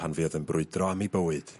...pan fuodd y'n brwydro am 'i bywyd.